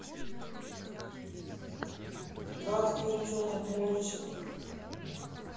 гадкий утенок мультик